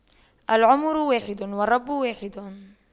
العمر واحد والرب واحد